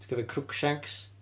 Ti'n cofio Crookshanks?